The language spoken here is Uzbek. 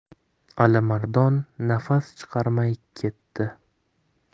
alimardon nafas chiqarmay ketdi